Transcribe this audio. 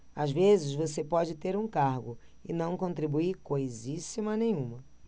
às vezes você pode ter um cargo e não contribuir coisíssima nenhuma